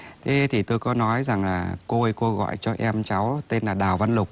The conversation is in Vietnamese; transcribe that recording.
thế thì tôi có nói rằng là cô ơi cô gọi cho em cháu tên là đào văn lục